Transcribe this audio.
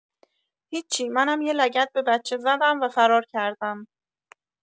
هیچی منم یه لگد به بچه زدم و فرار کردم!